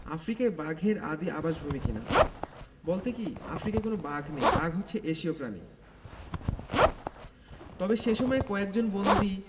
আফ্রিকাই বাঘের আদি আবাসভূমি কি না বলতে কী আফ্রিকায় কোনো বাঘ নেই বাঘ হচ্ছে এশীয় প্রাণী তবে সে সময়ে কয়েকজন বন্দী